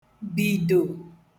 bìdò